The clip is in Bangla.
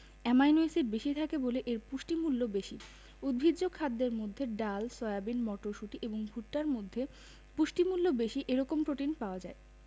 অ্যামাইনো এসিড বেশি থাকে বলে এর পুষ্টিমূল্য বেশি উদ্ভিজ্জ খাদ্যের মধ্যে ডাল সয়াবিন মটরশুটি বীজ এবং ভুট্টার মধ্যে পুষ্টিমূল্য বেশি এরকম প্রোটিন পাওয়া যায়